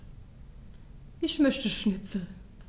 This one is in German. Ich möchte Schnitzel.